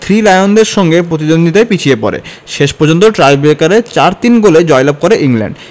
three লায়নদের সঙ্গে প্রতিদ্বন্দ্বিতায় পিছিয়ে পড়ে শেষ পর্যন্ত টাইট্রেকারে ৪ ৩ গোলে জয়লাভ করে ইংল্যান্ড